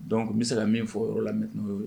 Dɔnku n bɛ se ka min fɔ o yɔrɔ la mɛ n'o ye